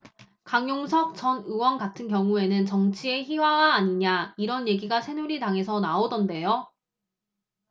강용석 전 의원 같은 경우에는 정치의 희화화 아니냐 이런 얘기가 새누리당에서 나오던데요